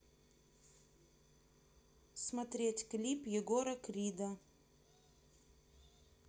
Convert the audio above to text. смотреть клип егора крида